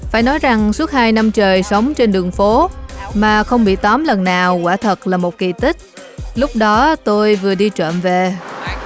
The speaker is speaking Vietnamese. phải nói rằng suốt hai năm trời sống trên đường phố mà không bị tóm lần nào quả thật là một kỳ tích lúc đó tôi vừa đi trộm về